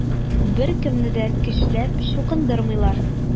Беркемне дә көчләп чукындырмыйлар.